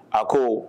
A ko